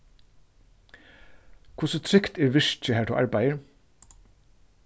hvussu trygt er virkið har tú arbeiðir